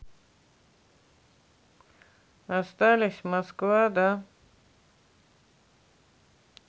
остались москва да